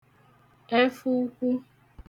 ẹfọ ukwu